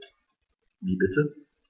Wie bitte?